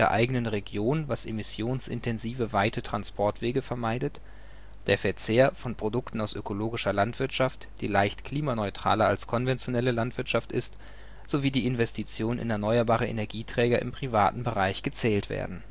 eigenen Region, was emissionsintensive weite Transportwege vermeidet, der Verzehr von Produkten aus ökologischer Landwirtschaft, die leicht klimaneutraler als konventionelle Landwirtschaft ist sowie die Investition in erneuerbare Energieträger im privaten Bereich gezählt werden